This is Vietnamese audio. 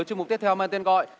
chuyên mục tiếp theo mang tên gọi